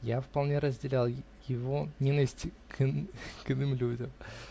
Я вполне разделял его ненависть к иным людям.